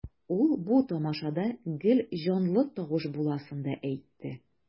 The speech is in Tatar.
Ул бу тамашада гел җанлы тавыш буласын да әйтте.